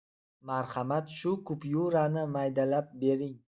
marhamat shu kupyurani maydalab bering